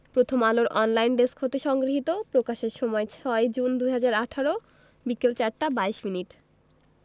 প্রথমআলোর online desk হতে সংগৃহীত প্রকাশের সময় ৬জুন ২০১৮ বিকেল ৪টা ২২ মিনিট